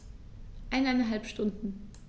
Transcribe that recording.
Eineinhalb Stunden